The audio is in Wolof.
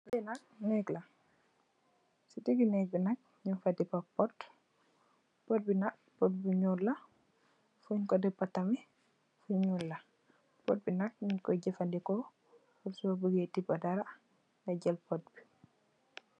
Li nak neeg la si digi neeg bi nak nyun fa depa pot pot bi nak pot bu nuul la fung ko depa tamit fu nuul la pot bi deng koi jefendeko pur so buge tiba dara nga jel pot bi.